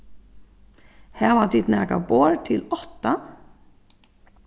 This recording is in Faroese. hava tit nakað borð til átta